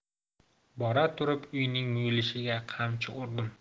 bora turib uyning muyulishiga qamchi urdim